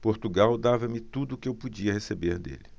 portugal dava-me tudo o que eu podia receber dele